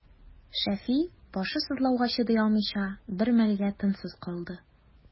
Шәфи, башы сызлауга чыдый алмыйча, бер мәлгә тынсыз калды.